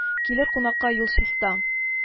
– килер кунакка юл чиста